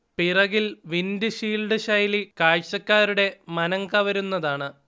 പിറകിൽ windshield ശൈലി കാഴ്ച്ചക്കാരുടെ മനംകവരുന്നതാണ്